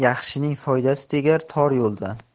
yaxshining foydasi tegar tor yo'lda